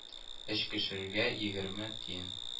Өч кешегә егерме тиен